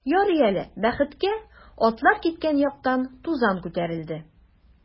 Ярый әле, бәхеткә, атлар киткән яктан тузан күтәрелде.